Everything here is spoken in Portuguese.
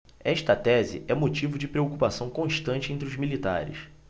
esta tese é motivo de preocupação constante entre os militares